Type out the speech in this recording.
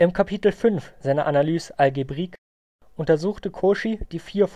Kapitel 5 seiner Analyse algébrique untersuchte Cauchy die vier